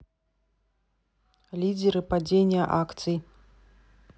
лидеры падения акций